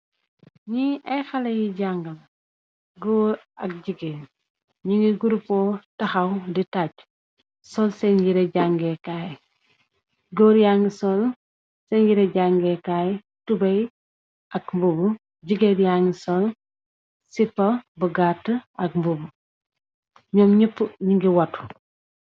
ñi ay xalé yi jàngl gór ak jigéen ñi ngi gurupo taxaw di tàcj sol see njire jàngekaay gór yangi sol see njire jàngeekaay tubey ak mbub jigéer yang sol ci pa bu gàtt ak mbub ñoom ñepp ñi ngi watu